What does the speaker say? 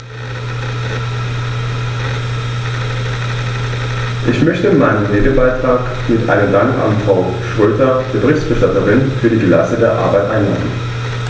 Ich möchte meinen Redebeitrag mit einem Dank an Frau Schroedter, der Berichterstatterin, für die geleistete Arbeit einleiten.